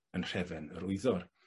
Yn nhrefen yr wyddor.